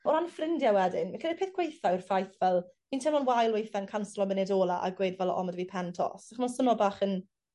o ran ffrindie wedyn fi credu peth gwaetha yw'r ffaith fel fi'n teimlo'n wael weithe'n canslom munud ola a gweud fel o ma 'dy fi pen tos ach' 'ma swno bach yn